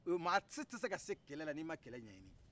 mɔgɔsi tɛ se ka se kɛlɛla ni ma kɛlɛ ɲɛɲini